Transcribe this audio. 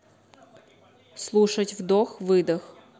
слушать вдох выдох